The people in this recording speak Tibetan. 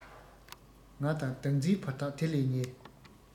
ང དང བདག འཛིན བར ཐག དེ ལས ཉེ